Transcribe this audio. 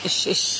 Ish ish.